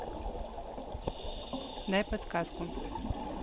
дай подсказку